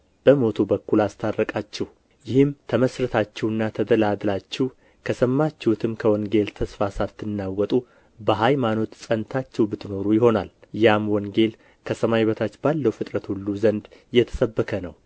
በሞቱ በኩል አስታረቃችሁ ይህም ተመሥርታችሁና ተደላድላችሁ ከሰማችሁትም ከወንጌል ተስፋ ሳትናወጡ በሃይማኖት ጸንታችሁ ብትኖሩ ይሆናል ያም ወንጌል ከሰማይ በታች ባለው ፍጥረት ሁሉ ዘንድ የተሰበከ ነው